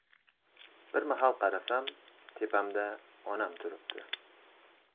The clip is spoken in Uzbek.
bir mahal qarasam tepamda onam turibdi